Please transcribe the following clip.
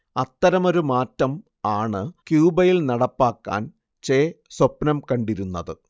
അത്തരമൊരു മാറ്റം ആണ് ക്യൂബയിൽ നടപ്പാക്കാൻ ചെ സ്വപ്നം കണ്ടിരുന്നത്